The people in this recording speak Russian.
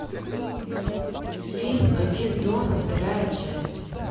фильм один дома вторая часть